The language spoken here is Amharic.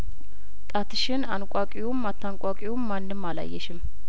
ጣትሽን አንቋቂውም አታንቋቂውም ማንም አላየሽም